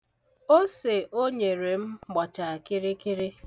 Ose o nyere m gbacha kịrịkịrị.